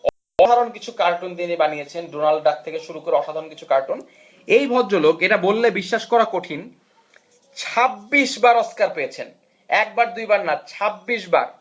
অসাধারণ কিছু কার্টুন তিনি বানিয়েছেন ডোনাল্ড ডাক থেকে শুরু করে অসাধারণ কিছু কার্টুন এই ভদ্রলোক এটা বললে বিশ্বাস করা কঠিন 26 বার অস্কার পেয়েছেন একবার দুইবার না 26 বার